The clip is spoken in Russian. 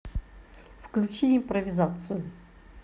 включи импровизацию